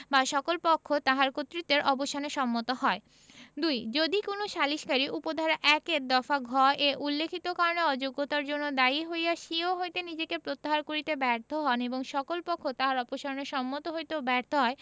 বা সকল পক্ষ তাহার কর্তৃত্বের অবসানে সম্মত হয় ২ যদি কোন সালিসকারী উপ ধারা ১ এর দফা ঘ এ উল্লেখিত কারণে অযোগ্যতার জন্য দায়ী হইয়া স্বীয় হইতে নিজেকে প্রত্যাহার কারিতে ব্যর্থ হন এবং সকল পক্ষ তাহার অপসারণে সম্মত হইতেও ব্যর্থ হয়